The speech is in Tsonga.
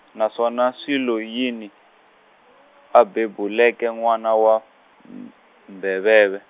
naswona swi lo yini , a bebuleke n'wana wa, m- mbheveve.